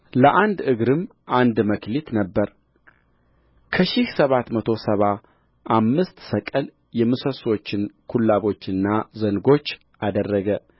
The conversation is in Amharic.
ለአንድ እግርም አንድ መክሊት ነበረ ከሺህ ሰባት መቶ ሰባ አምስት ሰቅል የምሰሶቹን ኩላቦችና ዘንጎች አደረገ